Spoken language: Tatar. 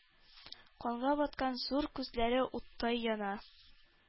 Канга баткан зур күзләре уттай яна.